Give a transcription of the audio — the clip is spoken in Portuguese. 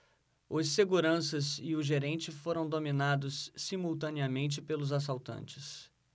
os seguranças e o gerente foram dominados simultaneamente pelos assaltantes